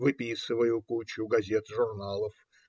выписываю кучу газет, журналов.